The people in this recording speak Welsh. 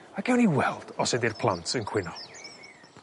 A gewn ni weld os ydi'r plant yn cwyno.